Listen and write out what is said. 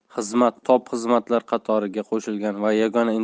xizmat top xizmatlar qatoriga qo'shilgan va yagona